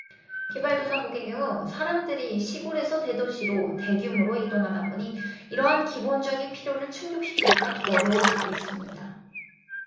개발도상국의 경우 사람들이 시골에서 대도시로 대규모로 이동하다 보니 이러한 기본적인 필요를 충족시키기가 더 어려워지고 있습니다